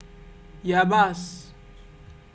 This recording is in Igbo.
yàbaàsị̀